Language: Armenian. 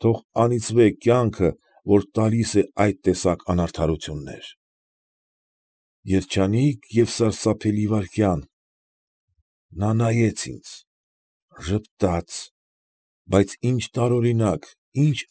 Թող անիծվե կյանքը, որ տալիս է այդ տեսակ անարդարություններ… Երջանիկ և սարսափելի վայրկյան… նա նայեց ինձ… ժպտաց… բայց ինչ տարօրինակ, ինչ։